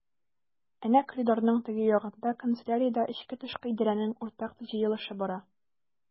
Әнә коридорның теге ягында— канцеляриядә эчке-тышкы идарәнең уртак җыелышы бара.